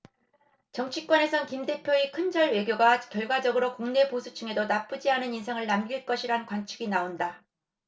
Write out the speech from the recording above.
정치권에선 김 대표의 큰절 외교가 결과적으로 국내 보수층에도 나쁘지 않은 인상을 남길 것이란 관측이 나온다